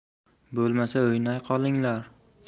bo'lmasa o'ynay qolinglar